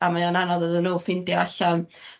a mae o'n anodd iddyn n'w ffeindio allan